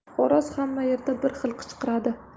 xo'roz hamma yerda bir xil qichqirar